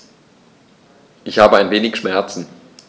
Ich habe ein wenig Schmerzen.